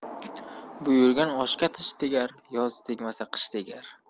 buyurgan oshga tish tegar yoz tegmasa qish tegar